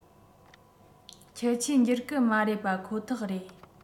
ཁྱད ཆོས འགྱུར གི མ རེད པ ཁོ ཐག རེད